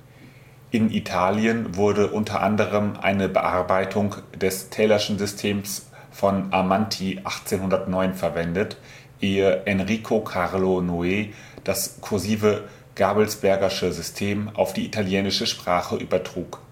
In Italien wurde u. a. eine Bearbeitung des Taylorschen Systems von Amanti (1809) verwendet, ehe Enrico Carlo Noë das kursive Gabelsberger’ sche System auf die italienische Sprache übertrug